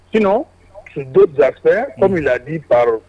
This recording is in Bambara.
Kunun u don bilafɛn mo ladi baara rɔ